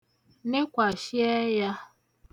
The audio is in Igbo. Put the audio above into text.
nekwàshị ẹyā